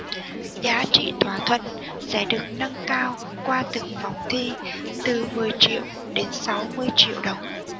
giá trị thỏa thuận sẽ được nâng cao qua từng vòng thi từ mười triệu đến sáu mươi triệu đồng